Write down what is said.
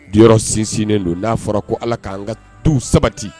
Di sinsinnen don n'a fɔra ko ala k'an ka tu sabati